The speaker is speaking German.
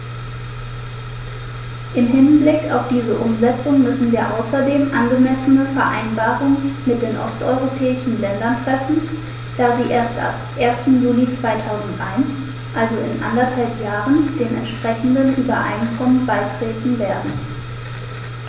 Im Hinblick auf diese Umsetzung müssen wir außerdem angemessene Vereinbarungen mit den osteuropäischen Ländern treffen, da sie erst ab 1. Juli 2001, also in anderthalb Jahren, den entsprechenden Übereinkommen beitreten werden.